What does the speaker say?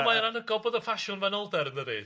On' mae o'n anygol bod y ffasiwn fanylder yndydi?